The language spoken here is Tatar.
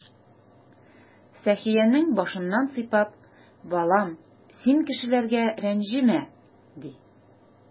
Сәхиянең башыннан сыйпап: "Балам, син кешеләргә рәнҗемә",— ди.